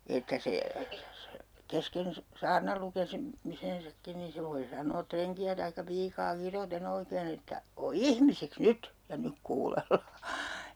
että se kesken - saarnan - lukemisensakin niin se voi sanoa renkiä tai piikaa kiroten oikein että ole ihmisiksi nyt ja nyt kuunnellaan